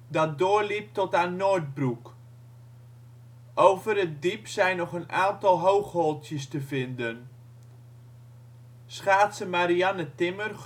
dat doorliep tot aan Noordbroek. Over het diep zijn nog een aantal hoogholtjes te vinden. Schaatser Marianne Timmer